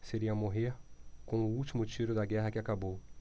seria morrer com o último tiro da guerra que acabou